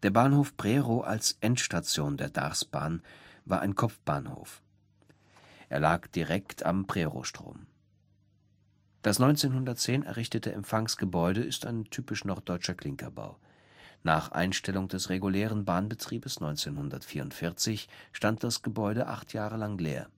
Bahnhof Prerow als Endstation der Darßbahn war ein Kopfbahnhof direkt am Prerowstrom. Das 1910 errichtete Empfangsgebäude ist ein typisch norddeutscher Klinkerbau. Nach Einstellung des Bahnbetriebes 1944 stand das Gebäude acht Jahre lang leer